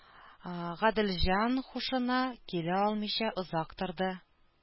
Гаделҗан һушына килә алмыйча озак торды